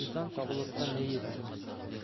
eson sog'likka ne yetsin